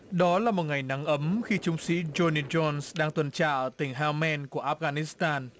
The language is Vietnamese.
đó là một ngày nắng ấm khi trung sĩ giô ni gion đang tuần tra ở tỉnh ha men của ác gha nít tan